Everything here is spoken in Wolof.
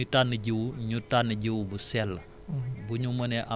tànnam jiw mi bu ñuy tànn jiw ñu tànn jiw bu sell